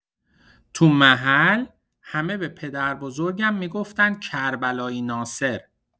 تو محل، همه به پدر بزرگم می‌گفتن کربلایی ناصر.